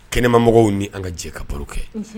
Kɛnɛmamɔgɔw ni an ka jɛ ka baro kɛ